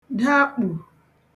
dakpù